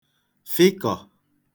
fịkọ̀